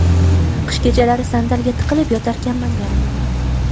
qish kechalari sandalga tiqilib yotarkanman yalinaman